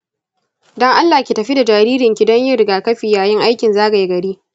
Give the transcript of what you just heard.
don allah ki tafi da jaririnki don yin rigakafi yayin aikin zagaya gari.